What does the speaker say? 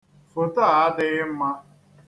Foto a adịghị mma.